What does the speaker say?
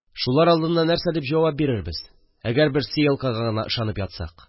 Шулар алдында нәрсә дип җавап бирербез, әгәр бер сеялкага ышанып ятсак